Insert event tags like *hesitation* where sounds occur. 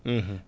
*hesitation* *hesitation*